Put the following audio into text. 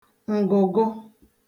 ǹgụ̀gụ̀